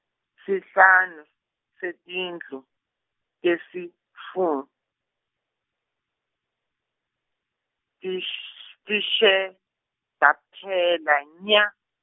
sihlanu, setindlu, tesitfu, tish- tishe, taphela, nya.